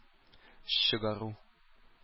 Чыгару